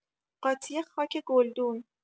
قاطی خاک گلدون